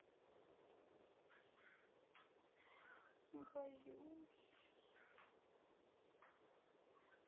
боюсь